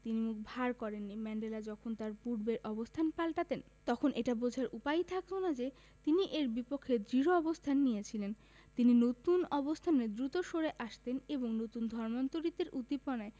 তিনি মুখ ভার করেননি ম্যান্ডেলা যখন তাঁর পূর্বের অবস্থান পাল্টাতেন তখন এটা বোঝার উপায়ই থাকত না যে তিনি এর বিপক্ষে দৃঢ় অবস্থান নিয়েছিলেন তিনি নতুন অবস্থানে দ্রুত সরে আসতেন এবং নতুন ধর্মান্তরিতের উদ্দীপনায়